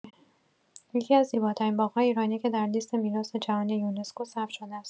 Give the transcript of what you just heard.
یکی‌از زیباترین باغ‌های ایرانی که در لیست میراث جهانی یونسکو ثبت شده است.